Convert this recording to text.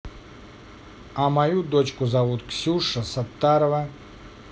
а мою дочку зовут ксюша саттарова